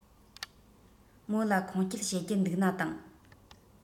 མོ ལ ཁུངས སྐྱེལ བྱེད རྒྱུ འདུག ན དང